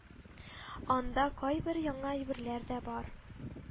Анда кайбер яңа әйберләр дә бар